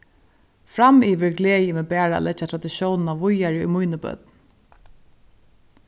framyvir gleði eg meg bara at leggja traditiónina víðari í míni børn